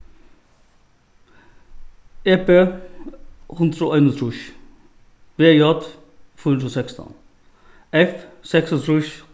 e b hundrað og einogtrýss v j fýra hundrað og sekstan f seksogtrýss